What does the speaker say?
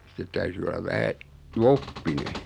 sitten täytyi olla vähän loppinen